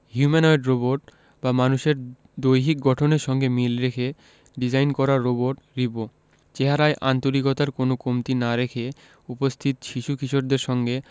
humanoid robot বা মানুষের দৈহিক গঠনের সঙ্গে মিল রেখে ডিজাইন করা রোবট রিবো চেহারায় আন্তরিকতার কোনো কমতি না রেখে উপস্থিত শিশু কিশোরদের সঙ্গে